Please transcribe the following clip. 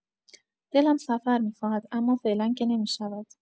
دلم سفر می‌خواهد، اما فعلا که نمی‌شود.